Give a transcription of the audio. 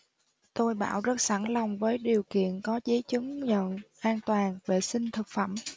tôi bảo rất sẵn lòng với điều kiện có giấy chứng nhận an toàn vệ sinh thực phẩm